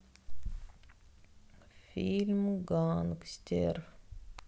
фильм гангстер